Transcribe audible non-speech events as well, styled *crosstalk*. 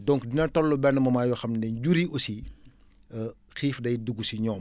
donc dina toll benn moment yoo xam ni jur yi aussi *hesitation* xiif day dugg si ñoom